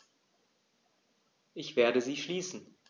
Ich werde sie schließen.